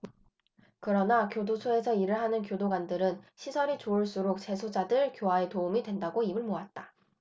그러나 교도소에서 일을 하는 교도관들은 시설이 좋을수록 재소자들 교화에 도움이 된다고 입을 모았다